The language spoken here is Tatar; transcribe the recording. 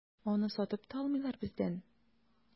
Аны сатып та алмыйлар бездән.